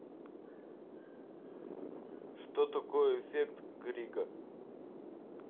что такое эффект грига